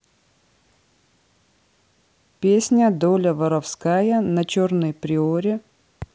песня доля воровская на черной приоре